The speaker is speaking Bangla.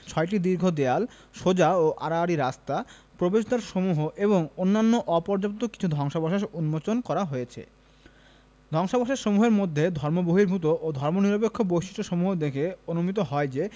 ছয়টি দীর্ঘ দেওয়াল সোজা ও আড়াআড়ি রাস্তা প্রবেশদ্বারসমূহ এবং অন্যান্য অপর্যাপ্ত কিছু ধ্বংসাবশেষ উন্মোচন করা হয়েছে ধ্বংসাবশেষসমূহের মধ্যে ধর্মবহির্ভূত ও ধর্মনিরপেক্ষ বৈশিষ্ট্যসমূহ দেখে অনুমিত হয় যে